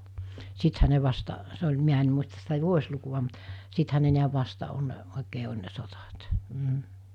sittenhän ne vasta se oli minä en muista sitä vuosilukua mutta sittenhän ne näet vasta on oikein oli ne sodat mm